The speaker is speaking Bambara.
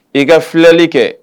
I ka filɛli kɛ.